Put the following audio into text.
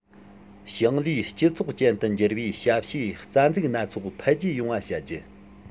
ཞིང ལས སྤྱི ཚོགས ཅན དུ འགྱུར བའི ཞབས ཞུའི རྩ འཛུགས སྣ ཚོགས འཕེལ རྒྱས ཡོང བ བྱ རྒྱུ